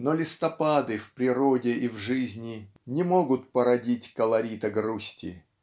но листопады в природе и в жизни не могут породить колорита грусти